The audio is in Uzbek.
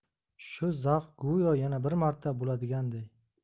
shu zavq go'yo yana bir marta bo'ladiganday